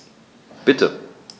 Bitte.